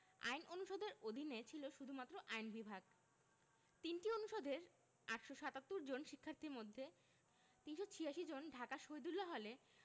আইন অনুষদের অধীনে ছিল শুধুমাত্র আইন বিভাগ ৩টি অনুষদের ৮৭৭ জন শিক্ষার্থীর মধ্যে ৩৮৬ জন ঢাকা শহীদুল্লাহ হলে